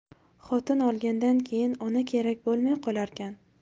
xotin olgandan keyin ona kerak bo'lmay qolarkan